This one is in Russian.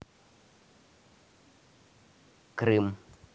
крым